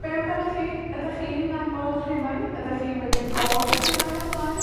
Be' amdanach chi? Ydach chi yn nabod Rhufain? Ydach chi wedi bod yn Rhufain o'r blaen?